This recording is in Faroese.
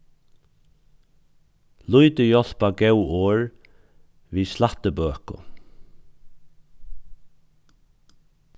lítið hjálpa góð orð við slættibøku